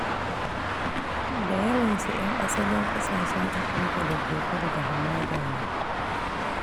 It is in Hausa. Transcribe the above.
Da yawansu 'yan asalin ƙasashen Afirka da ke kudu da hamada ne.